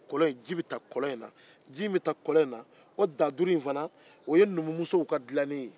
kɔlɔn in ji bɛ ta kɔlɔn in ji min bɛ ta kɔlɔn in o daa-duru fana o ye numusow ka dilannen ye